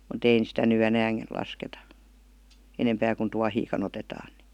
mutta ei sitä nyt enää lasketa enempää kuin tuohiakaan otetaan niin